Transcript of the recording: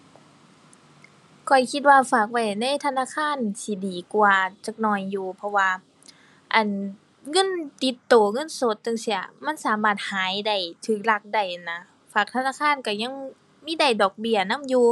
ข้อยคิดว่าฝากไว้ในธนาคารสิดีกว่าจักหน่อยอยู่ เพราะว่า อั่น เงินติดตัว เงินสดจั่งซี้ มันสามารถหายได้ ตัวลักได้นั่นนะ ฝากธนาคารตัวยังมีได้ดอกเบี้ยนำอยู่